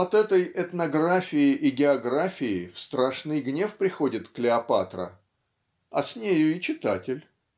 От этой этнографии и географии в страшный гнев приходит Клеопатра (а с нею и читатель